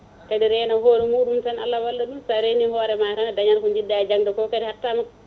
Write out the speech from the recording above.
kadi reena hoore muɗum tan Allah walla ɗum sa reeni hoorema tan a dañat ko jiɗɗa e jangde ko kadi hattama